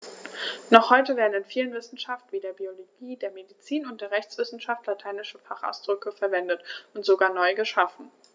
Noch heute werden in vielen Wissenschaften wie der Biologie, der Medizin und der Rechtswissenschaft lateinische Fachausdrücke verwendet und sogar neu geschaffen.